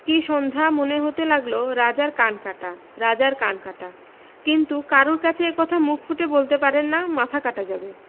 কী সন্ধ্যা মনে হতে লাগল রাজার কান কাটা রাজার কান কাটা কিন্তু কারুর কাছে এ কথা মুখ ফুটে বলতে পারে না মাথা কাটা যাবে